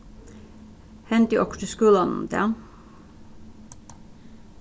hendi okkurt í skúlanum í dag